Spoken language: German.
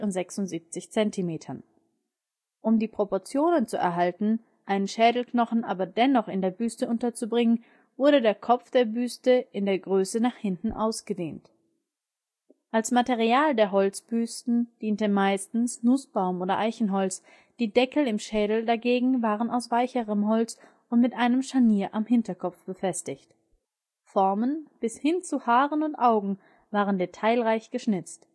76 Zentimetern. Um die Proportionen zu erhalten, einen Schädelknochen aber dennoch in der Büste unterzubringen, wurde der Kopf der Büste in der Größe nach hinten ausgedehnt. Als Material der Holzbüsten diente meist Nussbaum - oder Eichenholz, die Deckel im Schädel dagegen waren aus weicherem Holz und mit einem Scharnier am Hinterkopf befestigt. Formen bis hin zu Haaren und Augen waren detailreich geschnitzt